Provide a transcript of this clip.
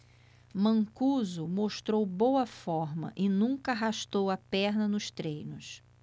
mancuso mostrou boa forma e nunca arrastou a perna nos treinos